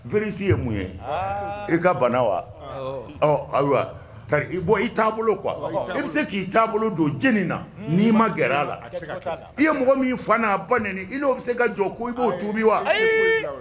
Virus ye mun ye. Aa. I ka bana wa? Awɔ. Ɔhɔn ayiwa tari, bon I taabolo quoi , i bɛ se k'i taabolo don jɔni na n'i ma gɛrɛ a la. O tɛ se ka kɛ. Siga t'a la. I ye mɔgɔ min fa n'a ba neni i n'o bɛ se ka jɔ ko i b'o tuubi wa? Ayii !